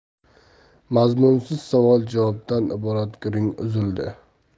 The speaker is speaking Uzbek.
mazmunsiz savol javobdan iborat gurung uzildi